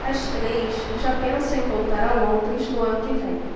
as três já pensam em voltar a londres no ano que vem